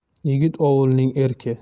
yigit ovulning erki